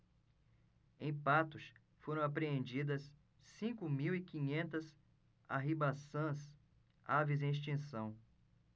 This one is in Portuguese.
em patos foram apreendidas cinco mil e quinhentas arribaçãs aves em extinção